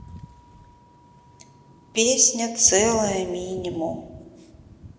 песня целая минимум